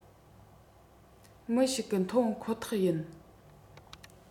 མི ཞིག གིས མཐོང ཁོ ཐག ཡིན